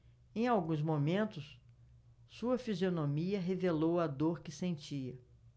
em alguns momentos sua fisionomia revelou a dor que sentia